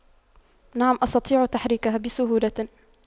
نعم أستطيع تحريكها بسهولة